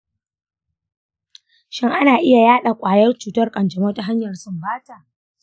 shin ana iya yaɗa kwayar cutar kanjamau ta hanyar sumbata?